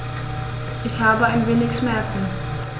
Ich habe ein wenig Schmerzen.